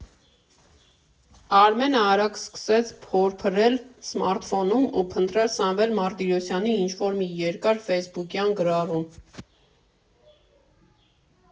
Արմենը արագ սկսեց փորփրել սմարթֆոնում ու փնտրել Սամվել Մարտիրոսյանի ինչ֊որ մի երկար ֆեյսբուքյան գրառում։